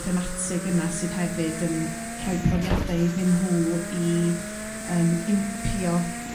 thematig yna sydd hefyd yn rhoi profiadau iddyn nhw i yrm impio